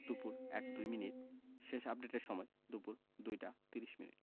দুপুর ১ ২মিনিট শেষ আপডেটের সময় দুপুর ২টা ৩০ মিনিট